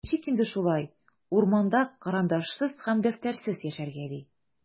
Ничек инде шулай, урманда карандашсыз һәм дәфтәрсез яшәргә, ди?!